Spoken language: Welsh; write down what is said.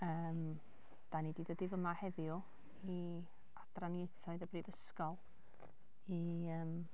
Yym, dan ni 'di dod i fama heddiw i adran ieithoedd y Brifysgol i ymm...